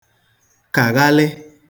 kàghalị